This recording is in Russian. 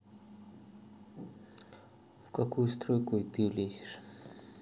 в какую стройку и ты влезаешь